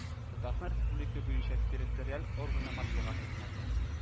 Татарстан Республика буенча Территориаль органы матбугат хезмәте